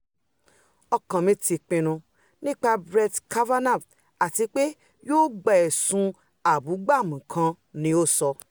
'Ọkàn mi ti pinnu nípa Brett Kavanaugj àtipe yóò gba ẹ̀sùn abúgbàmu kan,'' ni o sọ.